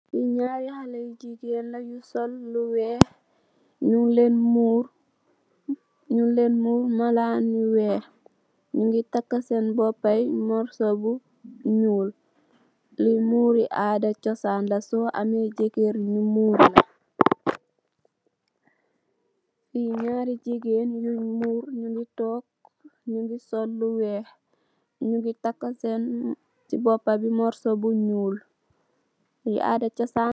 Nyaari halle yu jigeen la, nyu so lu weeh, nyung leen muur malaan yu weeh, nyungi tak seen bopay morso bu nyuul, lii muuri aada chosaan la, so amee jeukeur nyu muur la.